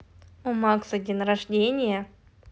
у макса день рождения